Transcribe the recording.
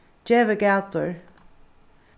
gevið gætur